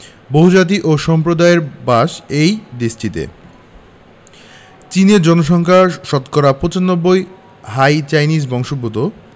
বহুজাতি ও সম্প্রদায়ের বাস এ দেশটিতে চীনের জনসংখ্যা শতকরা ৯৫ ভাগ হান চাইনিজ বংশোদূত